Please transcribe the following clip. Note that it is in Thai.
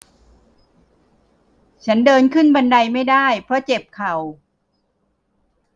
ฉันเดินขึ้นบันไดไม่ได้เพราะเจ็บเข่า